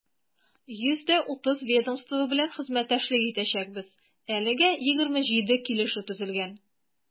130 ведомство белән хезмәттәшлек итәчәкбез, әлегә 27 килешү төзелгән.